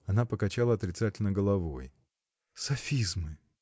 Она покачала отрицательно головой. — Софизмы!